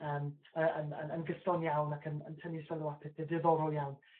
yym y- yn yn gyson iawn ac yn yn tynnu sylw at pethe diddorol iawn.